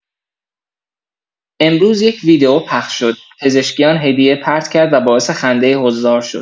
امروز یک ویدیو پخش شد پزشکیان هدیه پرت کرد و باعث خنده حضار شد.